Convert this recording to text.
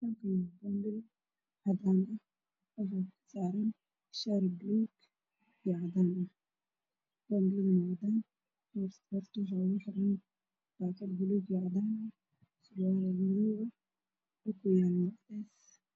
Waa shaati meel saran midabkiisa yahay caleemo caleemo darbi ka dambeeya waa cadaan